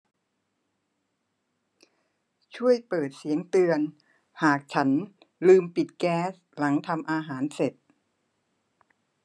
ช่วยเปิดเสียงเตือนหากฉันลืมปิดแก๊สหลังทำอาหารเสร็จ